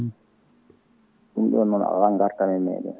ɗum ɗon noon ala gartam e meɗen